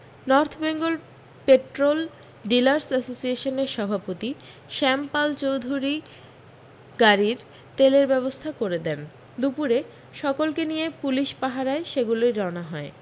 north Bengal petrol dealers অ্যাসোসিয়েশনের সভাপতি শ্যাম পালচৌধুরী গাড়ীর তেলের ব্যবস্থা করে দেন দুপুরে সকলকে নিয়ে পুলিশ পাহারায় সেগুলি রওনা হয়